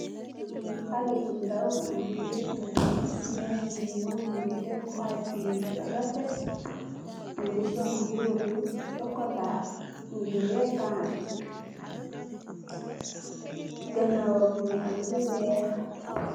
Kii xaleh bu ndaw mungi lettuce mess mess bu ñul mungi deff xagi yu rafet mungi sol mbuba bu socola mungi retan ganawam mungi am lu wekh.